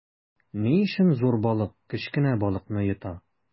Ни өчен зур балык кечкенә балыкны йота?